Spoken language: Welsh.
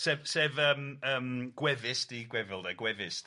Sef sef yym yym gwefus 'di gweddil de gwefus